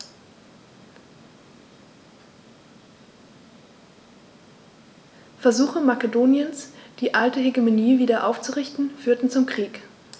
Versuche Makedoniens, die alte Hegemonie wieder aufzurichten, führten zum Krieg.